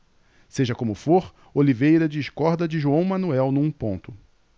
seja como for oliveira discorda de joão manuel num ponto